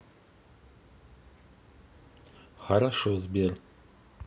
хорошо сбер